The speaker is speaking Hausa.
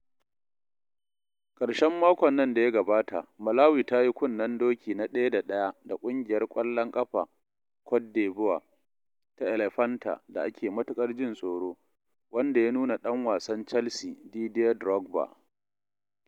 Ƙarshen makon nan da ya gabata, Malawi ta yi kunnen doki na 1-1 da Ƙungiyar Ƙwallon Ƙafar Cote d'Ivoire ta Elephanta da ake matuƙar jin tsoro, wanda ya nuna ɗan wasan Chelses Didier Drogba.